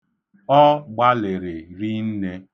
Ọ gbalịrị rinne.